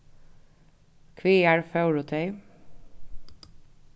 hvagar fóru tey